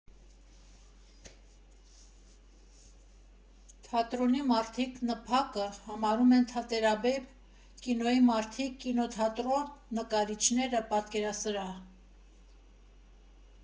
«Թատրոնի մարդիկ ՆՓԱԿ֊ը համարում են թատերաբեմ, կինոյի մարդիկ՝ կինոթատրոն, նկարիչները՝ պատկերասրահ։